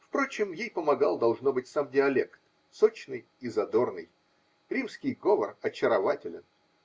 Впрочем, ей помогал, должно быть, сам диалект, сочный и задорный. Римский говор очарователен.